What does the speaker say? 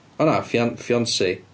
O na fi- fiancee.